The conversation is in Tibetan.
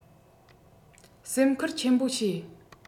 སེམས ཁུར ཆེན པོ བྱེད